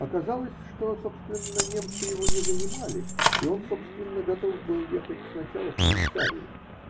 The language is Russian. Оказалось, что, собственно, немцы его не занимали, и он, собственно, готов был ехать сначала в Швейцарию.